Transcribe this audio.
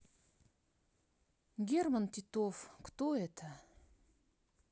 герман титов кто это